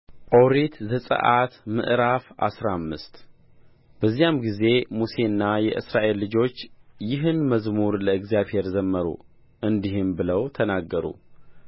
ኦሪት ዘጽአት ምዕራፍ አስራ አምስት በዚያም ጊዜ ሙሴና የእስራኤል ልጆች ይህንን መዝሙር ለእግዚአብሔር ዘመሩ እንዲህም ብለው ተናገሩ